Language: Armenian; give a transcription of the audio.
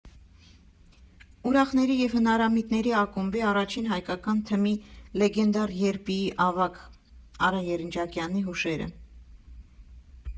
Ուրախների և հնարամիտների ակումբի առաջին հայկական թմի՝ լեգենդար ԵրՊԻ֊ի ավագ Արա Երնջակյանի հուշերը։